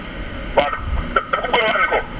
waaw dam dama ko bëggoon wax ne ko